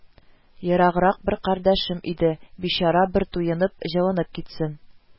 – ераграк бер кардәшем иде, бичара бер туенып, җылынып китсен